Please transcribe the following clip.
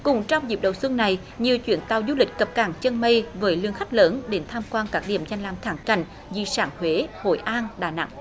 cũng trong dịp đầu xuân này nhiều chuyến tàu du lịch cập cảng chân mây với lượng khách lớn đến tham quan các điểm danh lam thắng cảnh di sản huế hội an đà nẵng